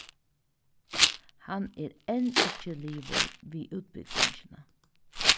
hann er enn ikki liðugur við útbúgvingina